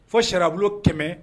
Fo sariyabulon kɛmɛ